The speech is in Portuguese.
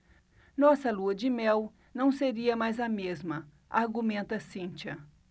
nossa lua-de-mel não seria mais a mesma argumenta cíntia